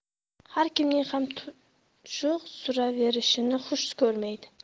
har kimning ham tumshuq suqaverishini xush ko'rmaydi